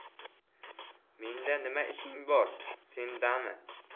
menda nima ishing bor sendami